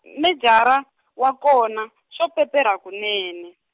m- mejara, wa kona, xo peperha kunene.